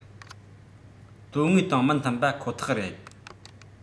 དོན དངོས དང མི མཐུན པ ཁོ ཐག རེད